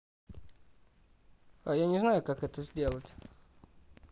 а я не знаю как это сделать